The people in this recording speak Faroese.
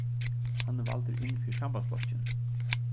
hann er valdur inn fyri sambandsflokkin